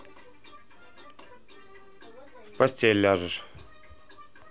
в постель ляжешь